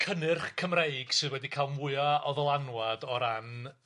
cynnyrch Cymreig sydd wedi ca'l mwya o ddylanwad o ran